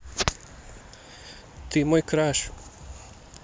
ты мой краш